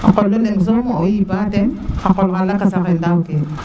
xa qol no mene soom o yipa teen xa qol xa laqasaxe ndaaw kee